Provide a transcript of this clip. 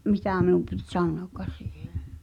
mitä minun piti sanoakaan siihen